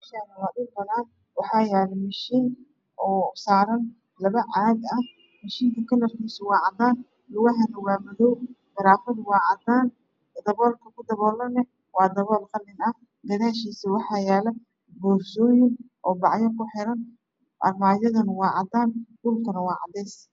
Meshan waa dhul banana waxa yaala mashiin oo saran lapa caaga ah Mashiinka kalarkiisa waa cadaa luguhiisana wa madow gàràfada waa cada garafada ku dapoolana waa qalin gadashiisa waxaa yaalaboorsooyin oo bacya ku xiran aramaajadana waa cadaan dhulkana wa cadees